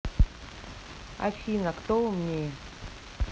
афина кто умнее